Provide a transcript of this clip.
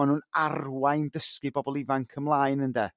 ma' nhw'n arwain dysgu bobol ifanc ymlaen ynde?